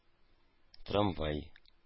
Трамвай